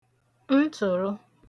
ntụ̀rụ